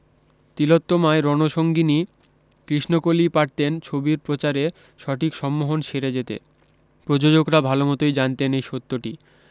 তিলোত্তমায় রণ সঙ্গিনী কৃষ্ণকলিই পারতেন ছবির প্রচারে সঠিক সম্মোহন সেরে যেতে প্রযোজকরা ভালমতই জানতেন এই সত্যটি